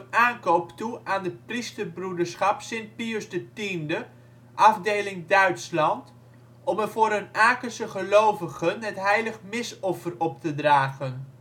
aankoop toe aan de Priesterbroederschap Sint Pius X, afdeling Duitsland, om er voor hun Akense gelovigen het heilig Misoffer op te dragen